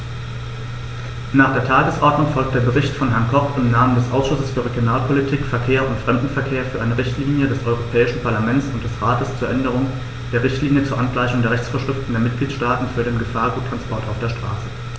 Nach der Tagesordnung folgt der Bericht von Herrn Koch im Namen des Ausschusses für Regionalpolitik, Verkehr und Fremdenverkehr für eine Richtlinie des Europäischen Parlament und des Rates zur Änderung der Richtlinie zur Angleichung der Rechtsvorschriften der Mitgliedstaaten für den Gefahrguttransport auf der Straße.